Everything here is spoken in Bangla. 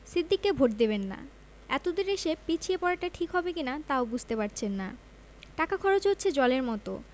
সিদ্দিককে ভোট দেবেন না এতদূর এসে পিছিয়ে পড়াটা ঠিক হবে কি না তাও বুঝতে পারছেন না টাকা খরচ হচ্ছে জলের মত